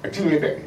A t'i ye dɛ